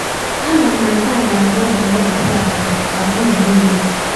Ama m na nke a ga-abụ oge mgbakasị ahụ maka unu niille.